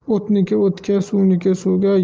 o'tniki o'tga suvniki suvga